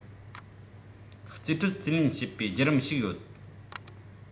རྩིས སྤྲོད རྩིས ལེན བྱེད པའི བརྒྱུད རིམ ཞིག ཡོད